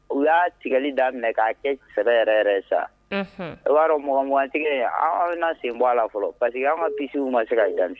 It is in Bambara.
U y'a tigali da minɛ k'a kɛ sɛ yɛrɛ yɛrɛ sa o b'a dɔn mɔgɔugantigɛ an an bɛna na sen bɔ a la fɔlɔ pa parce que an ka kisiw ma se ka yan